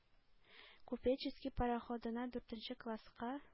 “купеческий“ пароходына, дүртенче класска